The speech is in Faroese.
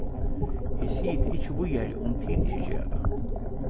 eg sigi tað ikki víðari um tit ikki gera tað